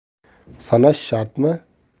sanash shartmi